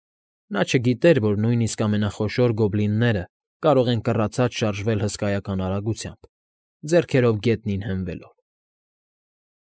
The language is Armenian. Նա չգիտեր, որ նույնիսկ ամենախոշոր գոբլինները կարող են կռացած շարժվել հսկայական արագությամբ, ձեռքերով գետնին հենվելով։